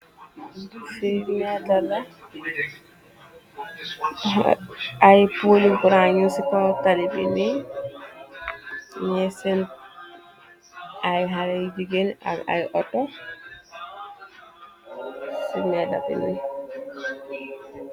Fi mbedala ay poli kurang ci kow talibi nii nyungi seen ay xale jigen ak ay oto ci mbedda bi nii.